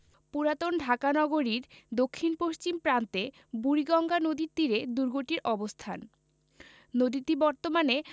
পুরাতন ঢাকা নগরীর দক্ষিণ পশ্চিম প্রান্তে বুড়িগঙ্গা নদীর তীরে দূর্গটির অবস্থান নদীটি বর্তমানে